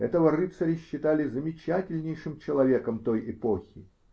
Этого рыцаря считали замечательнейшим человеком той эпохи.